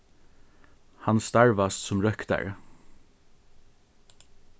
hann starvast sum røktari